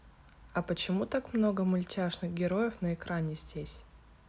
а почему так много мультяшных героев на экране здесь